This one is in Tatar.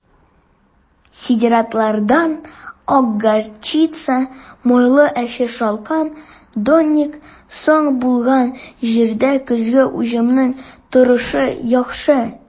Сидератлардан (ак горчица, майлы әче шалкан, донник) соң булган җирдә көзге уҗымның торышы яхшы.